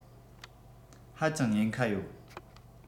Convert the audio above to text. ཧ ཅང ཉེན ཁ ཡོད